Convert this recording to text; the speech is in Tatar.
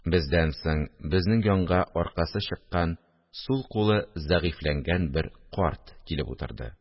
Бездән соң безнең янга аркасы чыккан, сул кулы зәгыйфьләнгән бер карт килеп утырды